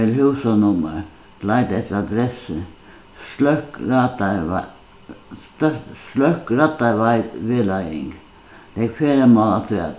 vel húsanummar leita eftir adressu sløkk sløkk vegleiðing legg ferðamál afturat